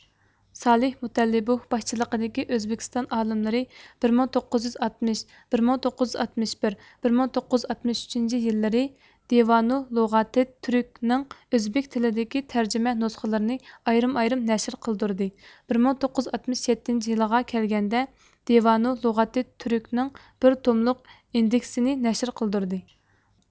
سالىھ مۇتەللىبوۋ باشچىلىقىدىكى ئۆزبېكىستان ئالىملىرى بىر مىڭ توققۇز يۈز ئاتمىشىنچى بىر مىڭ توققۇز يۈز ئاتمىش بىرىنچى بىر مىڭ توققۇز يۈز ئاتمىش ئۈچىنچى يىللىرى دىۋانۇ لۇغاتىت تۈرك نىڭ ئۆزبېك تىلىدىكى تەرجىمە نۇسخىلىرىنى ئايرىم ئايرىم نەشر قىلدۇردى بىر مىڭ توققۇز يۈز ئاتمىش يەتتىنچى يىلىغا كەلگەندە دىۋانۇ لۇغاتىت تۈرك نىڭ بىر توملۇق ئىندېكسنى نەشر قىلدۇردى